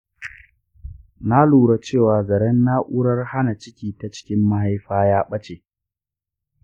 na lura cewa zaren na’urar hana ciki ta cikin mahaifa ya ɓace.